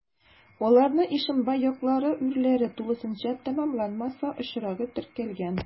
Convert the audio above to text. Аларны Ишембай яклары урләре тулысынча тәмамланмаса очрагы теркәлгән.